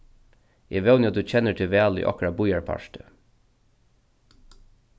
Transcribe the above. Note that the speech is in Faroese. eg vóni at tú kennir teg væl í okkara býarparti